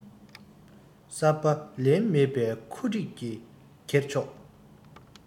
གསར པ དང ལེན མེད པའི ཁུ འཁྲིགས ཀྱི ཁེར ཕྱོགས